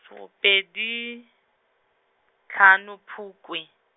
sogo pedi, tlhano Phukwe.